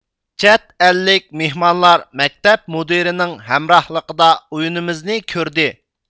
چەت ئەللىك مېھمانلار مەكتەپ مۇدىرىنىڭ ھەمراھلىقىدا ئويۇنىمىزنى كۆردى